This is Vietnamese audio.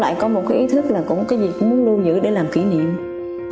có một cái ý thức cũng cái gì cũng muốn lưu giữ để làm kỉ niệm